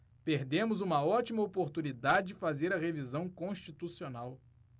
perdemos uma ótima oportunidade de fazer a revisão constitucional